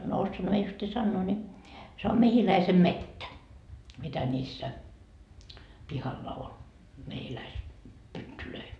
no osaanhan minä justiin sanoa niin se on mehiläisenmettä mitä niissä pihalla oli - mehiläispyttyjä